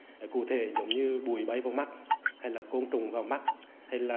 cụ thể giống như bụi bay vào mắt hay là côn trùng vào mắt hay là